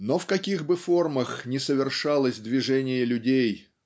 Но в каких бы формах ни совершалось движение людей